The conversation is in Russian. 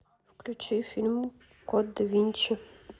включи фильм код давинчи